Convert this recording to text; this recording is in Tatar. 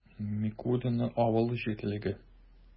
Микулино авыл җирлеге